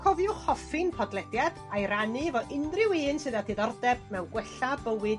Cofiwch hoffi'n podlediad a'i rannu 'fo unrhyw un sydd â diddordeb mewn gwella bywyd